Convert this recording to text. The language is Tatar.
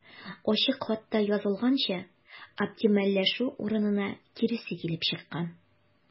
Ачык хатта язылганча, оптимальләшү урынына киресе килеп чыккан.